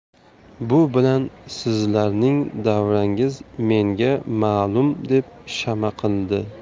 bu bilan sizlarning davrangiz menga ma'lum deb shama qildi